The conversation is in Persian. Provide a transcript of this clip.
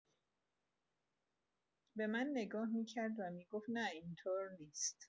به من نگاه می‌کرد و می‌گفت: نه این‌طور نیست.